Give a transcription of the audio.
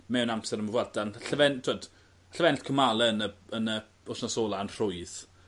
mewn amser am y Vuelta ond falle fe'n t'wod alle fe ennill cymale yn yn y wthnos ola yn rhwydd.